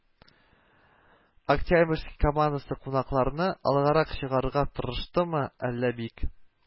Октябрьский командасы кунакларны алгарак чыгарырга тырыштымы, әллә бик